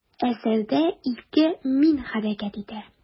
Әсәрдә ике «мин» хәрәкәт итә.